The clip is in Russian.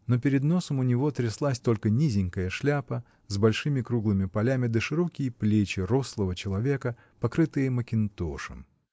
Но перед носом у него тряслась только низенькая шляпа с большими круглыми полями да широкие плечи рослого человека, покрытые мекинтошем.